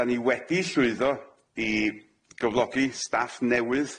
'Da ni wedi llwyddo i gyflogi staff newydd.